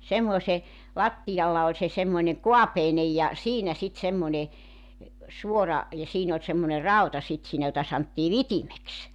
semmoisen lattialla oli se semmoinen kaapeinen ja siinä sitten semmoinen suora ja siinä oli semmoinen rauta sitten siinä jota sanottiin vitimeksi